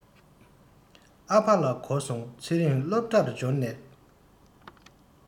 ཨ ཕ ལ ཧ གོ སོང ཚེ རིང སློབ གྲྭར འབྱོར ནས